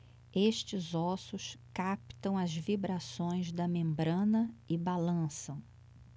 estes ossos captam as vibrações da membrana e balançam